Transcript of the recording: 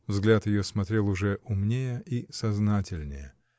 Взгляд ее смотрел уже умнее и сознательнее.